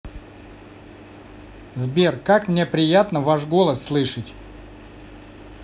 сбер как мне приятно ваш голос слышать